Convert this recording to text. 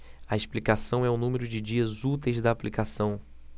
a explicação é o número de dias úteis da aplicação